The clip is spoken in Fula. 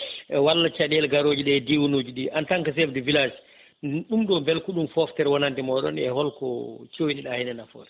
e walla caɗele garoje ɗe e diwanuji ɗi en tant chef de village ɗum ɗo beele ko ɗum fotere wonande mooɗon e holko coyniɗa hen e nafoore